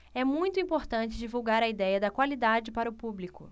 é muito importante divulgar a idéia da qualidade para o público